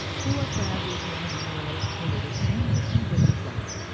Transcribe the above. rua padre joão manuel número cento e cinquenta e quatro